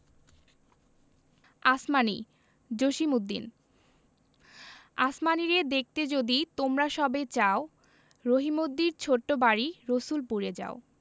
আসমানী জসিমউদ্দিন আসমানীরে দেখতে যদি তোমরা সবে চাও রহিমদ্দির ছোট্ট বাড়ি রসুলপুরে যাও